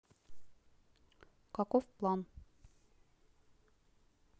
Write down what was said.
каков план